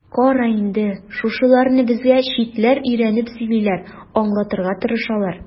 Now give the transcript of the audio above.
Кара инде, шушыларны безгә читләр өйрәнеп сөйлиләр, аңлатырга тырышалар.